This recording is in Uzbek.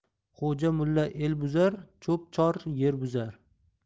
xo'ja mulla el buzar cho'p chor yer buzar